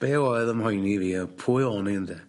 be' oedd 'ym mhoeni fi yw pwy o'n i ynde?